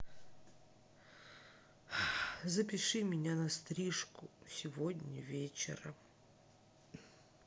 запиши меня на стрижку сегодня вечером